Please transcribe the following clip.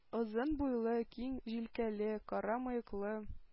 Озын буйлы, киң җилкәле, кара мыеклы